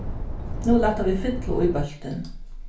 nú lata vit fyllu í bóltin